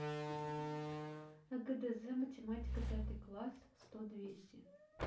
гдз математика пятый класс сто двести